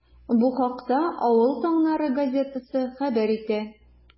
Бу хакта “Авыл таңнары” газетасы хәбәр итә.